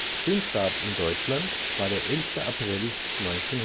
Filmstart in Deutschland war der 11. April 1974